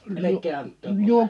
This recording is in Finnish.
älkää antako minulle